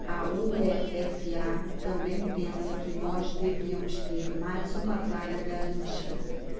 a uefa também pensa que nós devemos ter mais uma vaga garantida